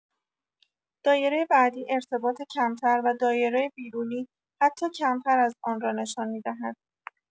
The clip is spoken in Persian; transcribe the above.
دایره بعدی ارتباط کمتر، و دایره بیرونی حتی کمتر از آن را نشان می‌دهد.